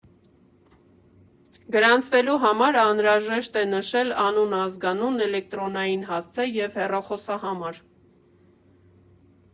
Գրանցվելու համար անհրաժեշտ է նշել անուն, ազգանուն, էլեկտրոնային հասցե և հեռախոսահամար։